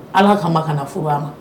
Ala kama kana na furu a ma